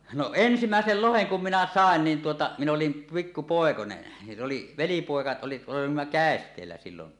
no ensimmäisen lohen kun minä sain niin tuota minä olin pikku poikanen ja se oli velipoika oli olimme käesteellä silloin